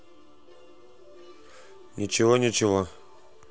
ничего ничего